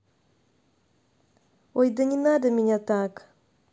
ой да не надо меня так